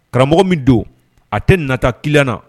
Karamɔgɔ min don a tɛ nata ki na